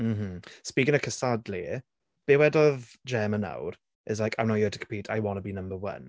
M-hm. Speaking of cystadlu. Be wedodd Gemma nawr? It's like "I'm not here to compete I wanna be number one."